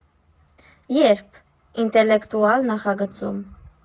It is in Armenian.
Ե՞րբ» ինտելեկտուալ նախագծում։